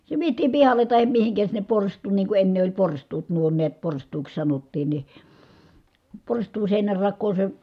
se vietiin pihalle tai mihin sinne porstuaan niin kun ennen oli porstuat nuo näet porstuaksi sanottiin niin porstuan seinänrakoon se